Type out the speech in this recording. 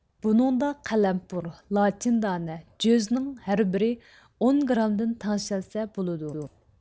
بۇنىڭدا قەلەمپۇر لاچىندانە جۆزنىڭ ھەربىرى ئون گرامدىن تەڭشەلسە بولىدۇ